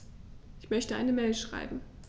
Ich möchte eine Mail schreiben.